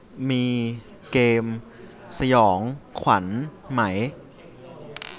มีเกมสยองขวัญไหม